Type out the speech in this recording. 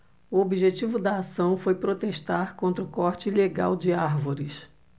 o objetivo da ação foi protestar contra o corte ilegal de árvores